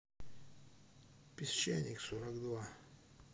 песчаник сорок два